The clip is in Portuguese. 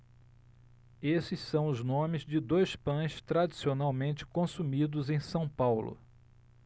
esses são os nomes de dois pães tradicionalmente consumidos em são paulo